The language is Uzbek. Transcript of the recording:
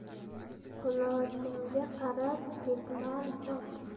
qulochingga qarab ketmon chop